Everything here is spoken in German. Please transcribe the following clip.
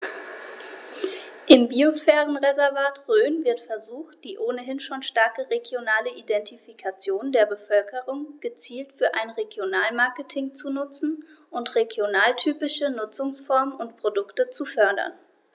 Im Biosphärenreservat Rhön wird versucht, die ohnehin schon starke regionale Identifikation der Bevölkerung gezielt für ein Regionalmarketing zu nutzen und regionaltypische Nutzungsformen und Produkte zu fördern.